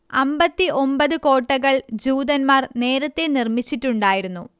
അമ്പത്തി ഒമ്പത് കോട്ടകൾ ജൂതന്മാർ നേരത്തെ നിർമ്മിച്ചിട്ടുണ്ടായിരുന്നു